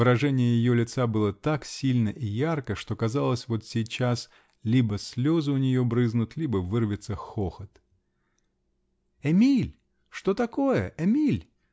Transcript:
Выражение ее лица было так сильно и ярко, что казалось, вот сейчас либо слезы у нее брызнут, либо вырвется хохот. -- Эмиль! Что такое? Эмиль!